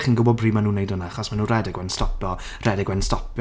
Chi'n gwbod pryd ma' nhw'n wneud hwnna, achos ma' nhw'n rhedeg wedyn stopio, rhedeg wedyn stopio.